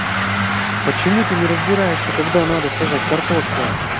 почему ты не разбираешься когда надо сажать картошку